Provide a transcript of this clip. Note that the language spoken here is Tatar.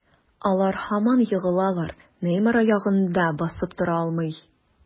Алар һаман егылалар, Неймар аягында басып тора алмый.